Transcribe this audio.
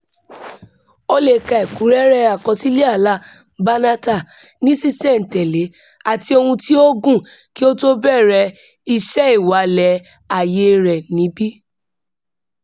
O lè ka ẹ̀kúnrẹ́rẹ́ àkọsílẹ̀ àláa Banatah ní ṣísẹ̀-n-tẹ̀lé àti ohun tí ó gùn ún kí ó tó bẹ̀rẹ̀ iṣẹ́ ìwalẹ̀ ayée rẹ̀ níbí: